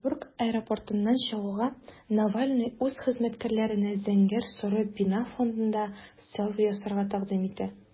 Оренбург аэропортыннан чыгуга, Навальный үз хезмәткәрләренә зәңгәр-соры бина фонында селфи ясарга тәкъдим итә.